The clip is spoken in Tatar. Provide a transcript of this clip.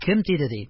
Кем тиде? - ди.